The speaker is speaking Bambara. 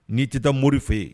N'i tɛ taa mori fɛ yen